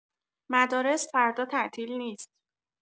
مدارس فردا تعطیل نیست.